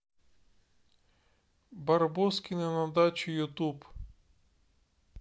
барбоскины на даче ютуб